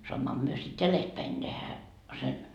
saammehan me sitten jäljestäpäin tehdä sen